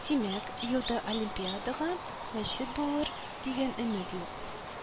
Димәк, елга Олимпиадага мәчет булыр дигән өмет юк